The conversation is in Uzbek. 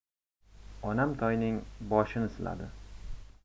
onam toyning boshini siladi